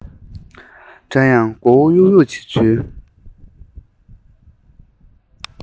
འདྲ ཡང མགོ བོ གཡུག གཡུག བྱེད ཚུལ